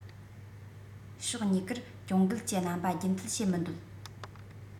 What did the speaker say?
ཕྱོགས གཉིས ཀར གྱོང འགུལ གྱི རྣམ པ རྒྱུན མཐུད བྱེད མི འདོད